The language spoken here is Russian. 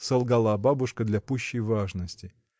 — солгала бабушка для пущей важности.